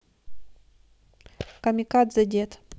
камикадзе дед